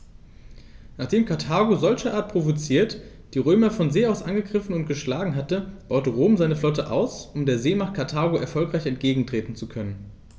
Nachdem Karthago, solcherart provoziert, die Römer von See aus angegriffen und geschlagen hatte, baute Rom seine Flotte aus, um der Seemacht Karthago erfolgreich entgegentreten zu können.